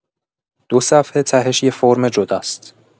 دو صفحه تهش یه فرم جداست.